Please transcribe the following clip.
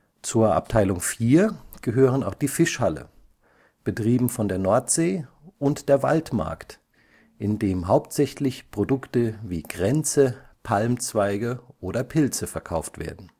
Zur Abteilung IV gehören auch die Fischhalle, betrieben von der „ Nordsee “und der „ Waldmarkt “, in dem hauptsächlich Produkte wie Kränze, Palmzweige oder Pilze verkauft werden